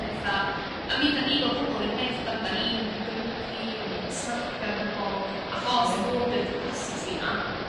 ...petha. A mi 'dan ni fel pobol yr un peth ydan? 'Dan ni'n mynd yn grumpy ne'n snapio ar bobol achos... Ia. ...fod yr capasiti 'na